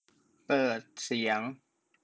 เปิดเสียง